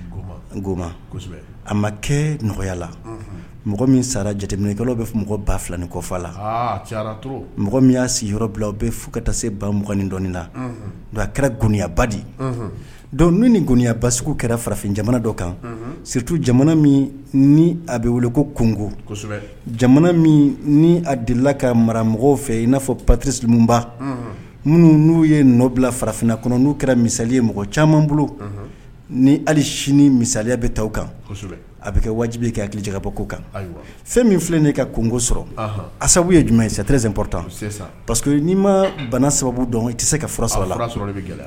Mɔgɔ min jateminɛ bɛ mɔgɔin kɔ la mɔgɔ min y'a bila u bɛ se baugan kɛra goniyaba ni goni ba kɛrafin kan siritu ko kogo delila ka mara mɔgɔw fɛ i n'a fɔ patiba minnu n'u ye n nɔ bila farafinna kɔnɔ n'u kɛra misali ye mɔgɔ caman bolo ni ali sini misaya bɛ taa kan a bɛ kɛ waatijibi ka hakili jakabɔ ko kan fɛn min filɛ de ka kogo sɔrɔ a sababu ye jumɛn ye sa senpta pa'i ma bana sababu dɔn i tɛ se ka